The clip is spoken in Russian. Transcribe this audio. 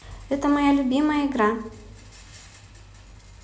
это моя самая любимая игра